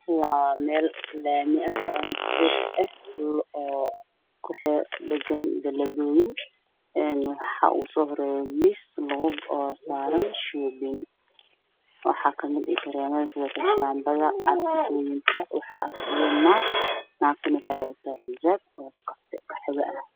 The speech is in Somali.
Waxaa ii muuqda meel ay yaalaan gaarigaan miisaaran yahay oo lagu galo shaambooyin cafisooyin catarro iyo waxyaabo kale oo bagaash ah waxaa gadaya naag wada tixijaab iyo dirac waxaa korkeeda taagan laba nin ka waxaa kaloo u agdhow teendhooyin lagu iibiyo alaabta